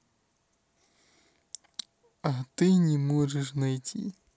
а ты не можешь найти